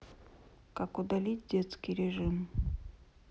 как удалить детский режим